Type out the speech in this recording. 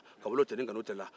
ka wolo cɛni kanutɛ la